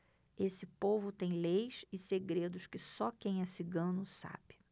esse povo tem leis e segredos que só quem é cigano sabe